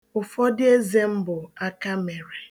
Ụfọdụ eze m bụ akamere